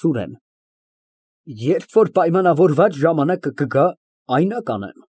ՍՈՒՐԵՆ ֊ Երբ որ պայմանավորված ժամանակը կգա, այնա կանեմ։